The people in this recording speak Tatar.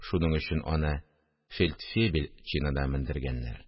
Шуның өчен аны фельдфебель чинына мендергәннәр